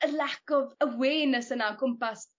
yr lack of awareness yna o gwmpas